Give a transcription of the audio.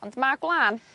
ond ma' gwlan